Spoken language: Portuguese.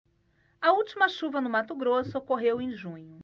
a última chuva no mato grosso ocorreu em junho